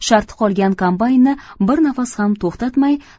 sharti qolgan kombaynni bir nafas ham to'xtatmay